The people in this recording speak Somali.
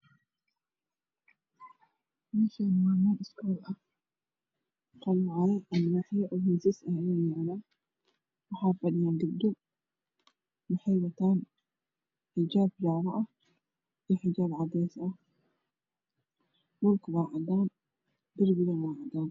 Meeshaan waa. meel. iskool.ah alwaaxyo. Saas u yaayalan waxaa fadhiyo gabdho waxey wataan xijaab. jaalo.ah. iyo. xijaab. cades ah dhulku waa cadaan darbiguna waa cadaan